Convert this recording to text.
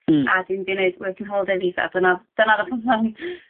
Hmm. ...a dwi mynd i neud working holiday visa a dyna dyna o'dd y plan.